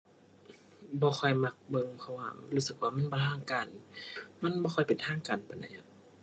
บ่ค่อยมักเบิ่ง เพราะว่ารู้สึกว่ามันบ่ทางการ มันบ่ค่อยเป็นทางการปานใดอะ